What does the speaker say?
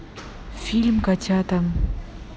фильм котята